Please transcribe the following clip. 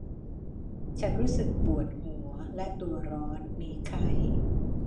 ฉันรู้สึกปวดหัวและตัวร้อนมีไข้